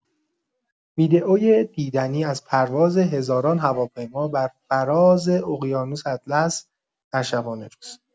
ویدئو دیدنی پرواز هزاران هواپیمابر فراز اقیانوس اطلس در شبانه‌روز